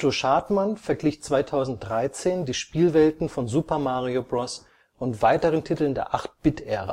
Schartmann verglich 2013 die Spielwelten von Super Mario Bros. und weiteren Titeln der 8-Bit-Ära. Ihm